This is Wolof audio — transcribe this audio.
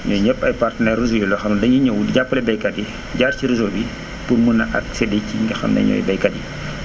ñooñu ñëpp ay partenaires réseau yi la xam ne dañuy ñëw di jàppale baykat yi jaar si réseau pour mun a acceder si ñi nga xam ne ñooy baykat yi